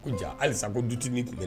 K Jaa halisa ko dutigi